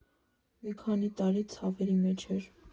Մի քանի տարի ցավերի մեջ էր։